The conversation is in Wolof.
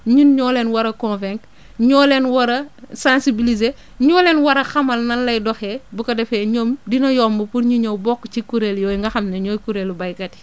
ñun ñoo leen war a convaincre ñoo leen war a sensibiliser ñoo leen war a xamal nan lay doxee bu ko defee ñoom dina yomb pour ñu ñëkk bokk ci kuréel yooyu nga xam ne ñooy kuréelu baykat yi